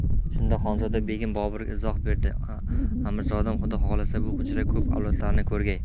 shunda xonzoda begim boburga izoh berdi amirzodam xudo xohlasa bu hujra ko'p avlodlarni ko'rgay